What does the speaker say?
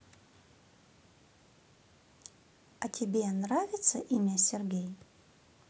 а тебе нравится имя сергей